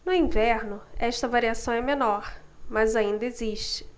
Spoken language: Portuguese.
no inverno esta variação é menor mas ainda existe